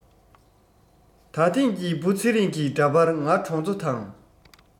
ད ཐེངས ཀྱི བུ ཚེ རིང གི འདྲ པར ང གྲོང ཚོ དང